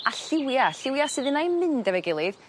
a llywia' llywia' sydd inai'n mynd efo'i gilydd